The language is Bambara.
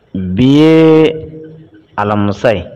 Bi ye alamisa ye.